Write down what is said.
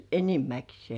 enimmäkseen